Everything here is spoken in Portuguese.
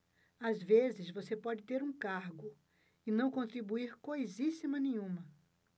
às vezes você pode ter um cargo e não contribuir coisíssima nenhuma